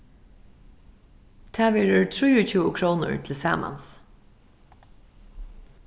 tað verður trýogtjúgu krónur tilsamans